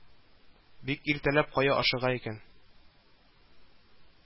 Бик иртәләп кая ашыга икән